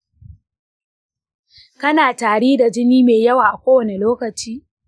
kana tari da jini mai yawa a kowane lokaci?